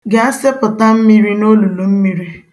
Gaa sepụta mmiri n'olulu mmiri.